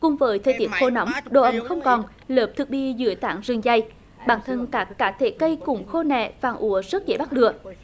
cùng với thời tiết khô nóng độ ẩm không còn lớp thực bì dưới tán rừng dày bản thân các cá thể cây cũng khô nẻ vàng úa rất dễ bắt lửa